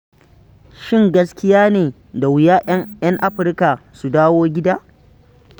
Shin gaskiya ne da wuya 'yan Afrika su dawo gida?